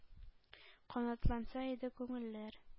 Канатланса иде күңелләр,